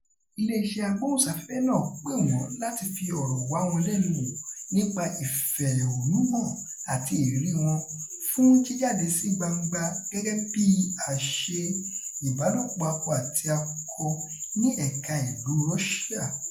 Ilé-iṣẹ́ agbóhùnsáfẹ́fẹ́ náà pè wọ́n láti fi ọ̀rọ̀ wá wọn lẹ́nu wò nípa ìfẹ̀hónúhàn àti ìrírí wọn fún jíjáde sí gbangba gẹ́gẹ́ bíi aṣe-ìbálòpọ̀-akọ-àti-akọ ní ẹ̀ka-ìlúu Russia.